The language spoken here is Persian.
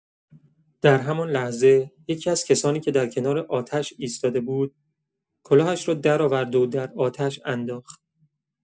در همان لحظه یکی‌از کسانی که در کنار آتش ایستاده بود، کلاهش را درآورد و در آتش انداخت.